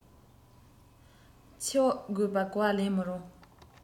འཆི དགོས པའི གོ བ ལེན མི རུང